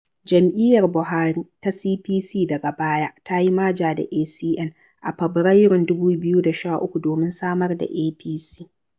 Jam'iyyar Buhari ta CPC daga baya ta yi maja da ACN, a Fabarairun 2013, domin samar da APC.